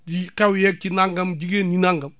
xew yeeg ci nangam jigéen ñi nangam